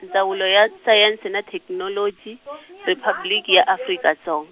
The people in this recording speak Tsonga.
Ndzawulo ya Sayense na Theknoloji , Riphabliki ya Afrika Dzong-.